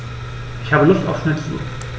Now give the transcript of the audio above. Ich habe Lust auf Schnitzel.